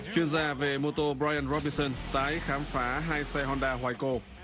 chuyên gia về mô tô bờ rai ừn rop bơ sơn tái khám phá hai xe hon đa goai cô